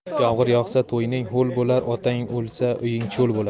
yomg'ir yog'sa to'ning ho'l bo'lar otang o'lsa uying cho'l bo'lar